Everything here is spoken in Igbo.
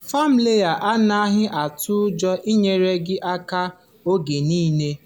Famalay anaghị atụ ụjọ inyere gị aka oge niile….